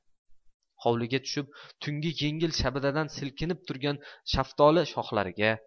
hovliga tushib tungi yengil shabadadan silkinib turgan shaftoli shoxlariga